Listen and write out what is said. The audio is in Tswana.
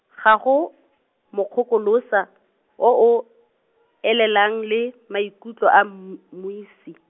ga go , mokgokolosa, o o , elelang le, maikutlo a mm-, mmuisi.